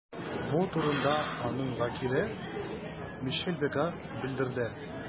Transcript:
Бу турыда аның вәкиле Мишель Бега белдерде.